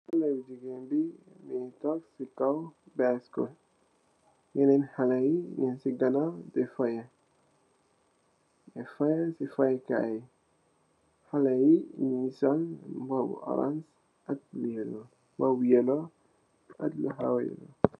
Haleh bu gigain bii mungy tokk cii kaw bicycle, yenen haleh yii njung cii ganaw dii fohyeh, dii fohyeh cii fohyeh kaii yii, haleh yii njungy sol mbuba bu ohrance ak lu yellow, mbuba bu yellow ak lu hawah...